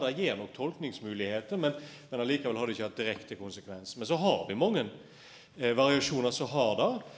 det gjev nok tolkingsmoglegheiter men men likevel har det ikkje hatt direkte konsekvens, men så har vi mange variasjonar som har det.